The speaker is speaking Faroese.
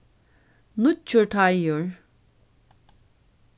nýggjur teigur